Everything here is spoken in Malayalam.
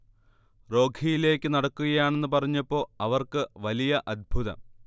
റോഘിയിലേക്ക് നടക്കുകയാണെന്ന് പറഞ്ഞപ്പോ അവർക്ക് വലിയ അത്ഭുതം